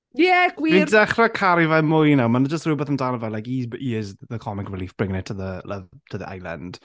Ie gwir... Fi'n dechrau caru fe mwy nawr, mae 'na jyst rywbeth amdano fe. Like, he's, he is the comic relief bringing it to the love to the island.